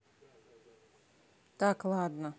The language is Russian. так ладно